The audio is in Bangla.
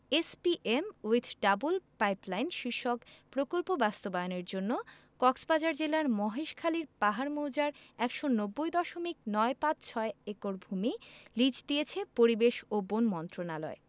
এসপিএম উইথ ডাবল পাইপলাইন শীর্ষক প্রকল্প বাস্তবায়নের জন্য কক্সবাজার জেলার মহেশখালীর পাহাড় মৌজার ১৯০ দশমিক নয় পাঁচ ছয় একর ভূমি লিজ দিয়েছে পরিবেশ ও বন মন্ত্রণালয়